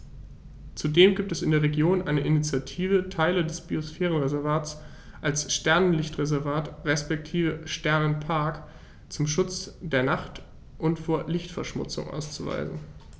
Zudem gibt es in der Region eine Initiative, Teile des Biosphärenreservats als Sternenlicht-Reservat respektive Sternenpark zum Schutz der Nacht und vor Lichtverschmutzung auszuweisen.